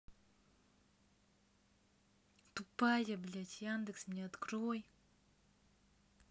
тупая блядь яндекс мне открой